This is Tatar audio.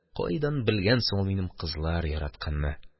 Кайдан белгән соң ул минем кызлар яратканны?!